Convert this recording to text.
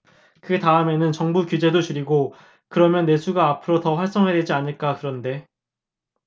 그 다음에는 정부 규제도 줄이고 그러면 내수가 앞으로 더 활성화되지 않을까 그런데